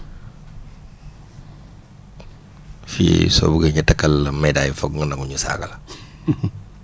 fii soo buggee ñu takkal la médaille foog nga nagu ñu saaga la